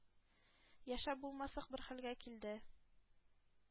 Яшәп булмаслык бер хәлгә килде.